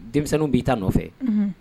Denmisɛnnin b'i ta nɔfɛ